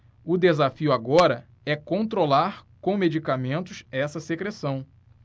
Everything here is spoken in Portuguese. o desafio agora é controlar com medicamentos essa secreção